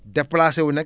déplacé wu nag